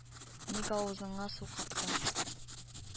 Ник авызыңа су каптың?